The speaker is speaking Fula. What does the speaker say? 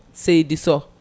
seydi Sow